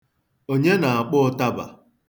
Onye na-akpọ ụtaba?